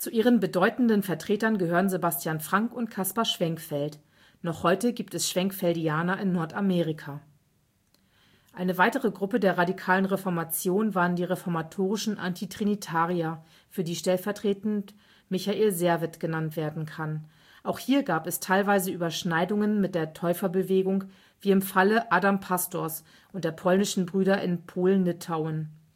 ihren bedeutenden Vertretern gehörten Sebastian Franck und Kaspar Schwenckfeld. Noch heute gibt es Schwenkfeldianer in Nordamerika. Eine weitere Gruppe der Radikalen Reformation waren die reformatorischen Antitrinitarier für die stellvertretend Michael Servet genannt werden kann. Auch hier gab es teilweise Überschneidungen mit der Täuferbewegung wie im Falle Adam Pastors und der Polnischen Brüder in Polen-Litauen